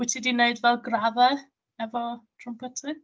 Wyt ti 'di wneud fel graddau efo trwmped ti?